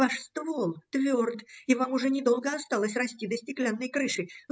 Ваш ствол тверд, и вам уже недолго осталось расти до стеклянной крыши.